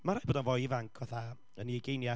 Mae'n rhaid bod o'n foi ifanc fatha, yn ei ugeiniau,